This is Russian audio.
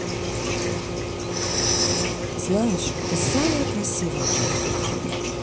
знаешь ты самая красивая в мире